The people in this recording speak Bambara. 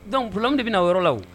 Don dɔnku kolondi bɛna yɔrɔ la